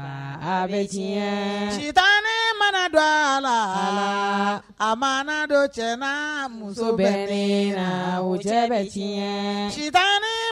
Saba bɛ sut mana don a la a ma dɔ cɛ muso bɛ ne la o cɛ bɛ su